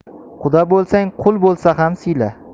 quda bo'lsang qui bo'lsa ham siyla